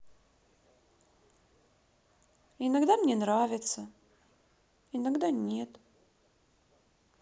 иногда мне нравится иногда нет